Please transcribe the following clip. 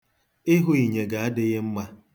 Ịhụ inyege adịghị mma.